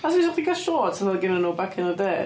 Os fysa chdi yn cael shorts fatha oedd gennyn nhw back in the day.